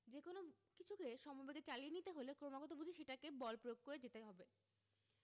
যেকোনো কিছুকে সমবেগে চালিয়ে নিতে হলে ক্রমাগত বুঝি সেটাকে বল প্রয়োগ করে যেতে হবে